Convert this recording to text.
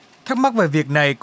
thắc mắc về việc này